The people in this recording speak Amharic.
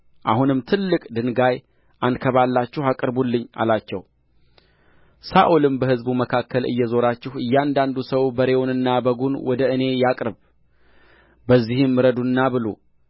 አሁንም ትልቅ ድንጋይ አንከባልላችሁ አቅርቡልኝ አላቸው ሳኦልም በሕዝቡ መካከል እየዞራችሁ እያንዳንዱ ሰው በሬውንና በጉን ወደ እኔ ያቅርብ በዚህም እረዱና ብሉ